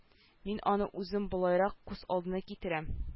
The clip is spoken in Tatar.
Мин аны үзем болайрак күз алдына китерәм